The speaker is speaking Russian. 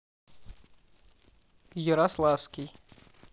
ярославский